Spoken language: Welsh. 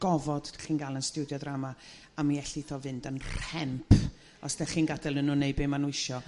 gofod chi'n ga'l yn stiwdio ddrama a mi ellith o fynd yn rhenp os 'dach chi'n gad'el i nhw 'neud be' ma 'nhw isio.